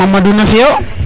Mamdou nam fio